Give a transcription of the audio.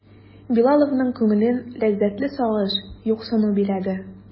Билаловның күңелен ләззәтле сагыш, юксыну биләде.